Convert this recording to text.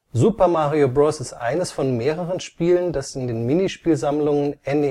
Super Mario Bros. ist eines von mehreren Spielen, das in den Minispielsammlungen NES